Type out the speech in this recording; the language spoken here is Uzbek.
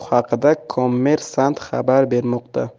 kommersant xabar bermoqda